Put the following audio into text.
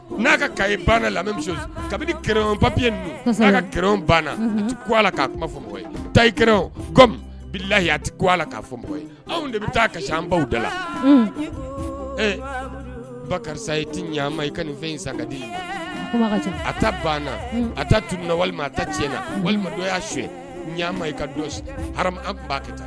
N'a ka ka banna la kabi ke papiye ka kɛ banna ka kuma fɔ ta kɛlayiya tɛ ka fɔ bɔ anw de bɛ taa ka an baw da la ɛ ba karisa tɛ ɲaama i ka nin fɛn san ka di banna a ta tun na walima a ta ti walima y'a suaa i ka ba ka taa